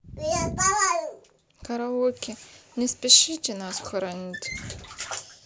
караоке не спешите нас хоронить